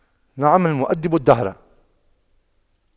نعم المؤَدِّبُ الدهر